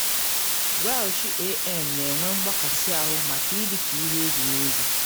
Welsh AM na enwe mgbakasị ahụ maka ‘ị dị ka ihe egwuregwu’